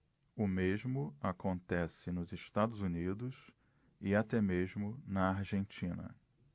o mesmo acontece nos estados unidos e até mesmo na argentina